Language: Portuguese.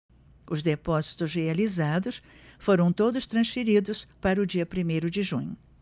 os depósitos realizados foram todos transferidos para o dia primeiro de junho